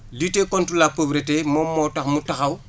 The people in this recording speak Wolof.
lutter contre la pauvreté moom moo tax mu taxaw